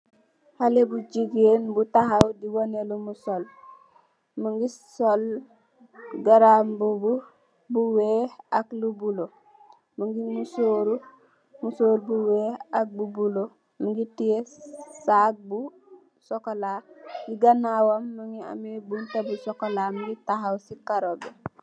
Xale bu jigeen bu tawaw di woneh lomu sol mogi sol garambubu bu weex ak lu bulo mogi musoru musoru bu weex ak bu bulo mogi tiyeh saag bu chocola ganawam mogi ameh bunta bu chocola mogi taxaw si karo bi